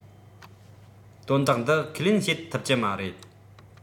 དོན དག འདི ཁས ལེན བྱེད ཐུབ ཀྱི མ རེད